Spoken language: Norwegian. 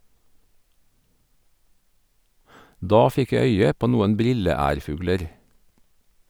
Da fikk jeg øye på noen brilleærfugler.